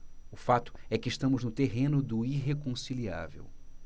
o fato é que estamos no terreno do irreconciliável